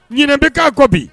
Ɲinɛ bɛ k'a kɔ bi